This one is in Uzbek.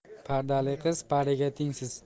pardali qiz pariga tengsiz